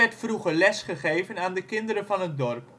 vroeger les gegeven aan de kinderen van het dorp